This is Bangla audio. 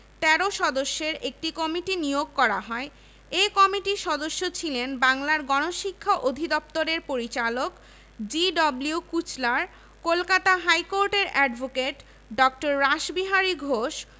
একইভাবে স্থানীয় প্রত্যক্ষ ও পরোক্ষ খরচ ৪৭ লক্ষ ৮১ হাজার ৮৩৩ টাকা থেকে বেড়ে ৭৩ লক্ষ ৫ হাজার ২৬০ টাকায় দাঁড়ায়